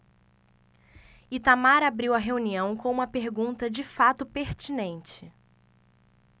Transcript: itamar abriu a reunião com uma pergunta de fato pertinente